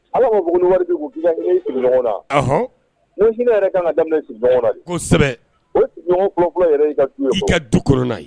Ala ma fɔ ko ni wari bi kun, ki ka hinɛ i sigi ɲɔgɔn na wa? Ahɔn, n'ko hinɛ yɛrɛ ka kan ka daminɛ sigi ɲɔgɔn na de, kosɛbɛ, o sigi ɲɔgɔn fɔlɔ fɔlɔ yɛrɛ ye i ka du ye fɔlɔ, i ka dukɔnɔnan ye.